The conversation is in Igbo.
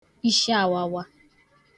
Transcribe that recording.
ishiāwāwā